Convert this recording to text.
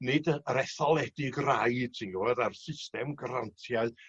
Nid y- yr etholedig rai ti'n gwbod a'r system grantiau